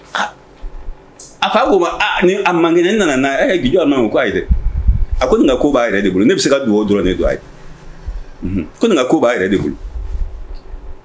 A koa ko ni a manin ne nana' k'a ye dɛ a ko nin ka kobaa yɛrɛ de bolo ne bɛ se ka dugawu dɔrɔn ne don a ye ko nin ka kobaa yɛrɛ de bolo